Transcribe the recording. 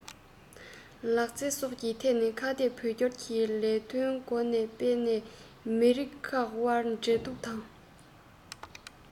ལོ རིང ཁ གཏད རོགས སྐྱོར གྱི ལས འགན ཁུར མཁན འབྲེལ ཡོད ཞིང ཆེན དང གྲོང ཁྱེར དང